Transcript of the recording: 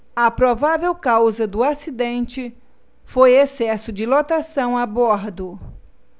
a provável causa do acidente foi excesso de lotação a bordo